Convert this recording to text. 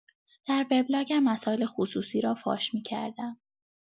در وبلاگم مسائل خصوصی را فاش می‌کردم.